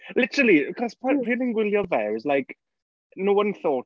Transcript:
Literally achos pryd o'n ni'n gwylio fe it was like, no one thought...